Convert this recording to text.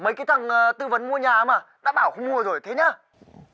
mấy cái thằng ờ tư vấn mua nhà ấy mà đã bảo không mua rồi thế nhớ